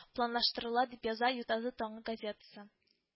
Планлаштырыла, дип яза “ютазы таңы” газетасы